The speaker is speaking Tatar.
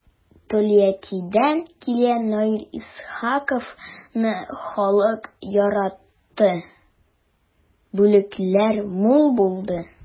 Тольяттидан килгән Наил Исхаковны халык яратты, бүләкләр мул булды.